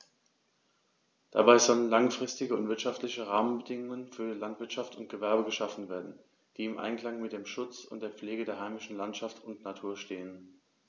Dabei sollen langfristige und wirtschaftliche Rahmenbedingungen für Landwirtschaft und Gewerbe geschaffen werden, die im Einklang mit dem Schutz und der Pflege der heimischen Landschaft und Natur stehen.